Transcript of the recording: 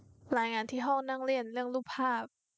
รายงานที่ห้องนั่งเล่นเรื่องรูปภาพ